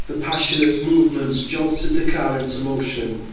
The passionate movements jolted the car into motion